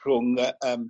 rhwng y yym